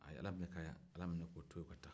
a ye ala minɛ k'o to ye ka taa